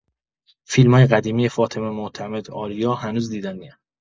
فیلمای قدیمی فاطمه معتمدآریا هنوز دیدنیه.